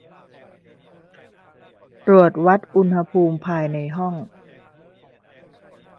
ตรวจวัดอุณหภูมิภายในห้อง